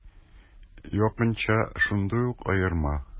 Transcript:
Якынча шундый ук аерма.